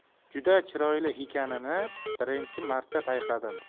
juda chiroyli ekanini birinchi marta payqadim